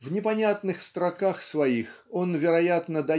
В непонятных строках своих он вероятно